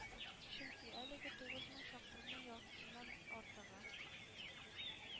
Чөнки әлеге тугыз мең чакрымның яртысыннан артыгы,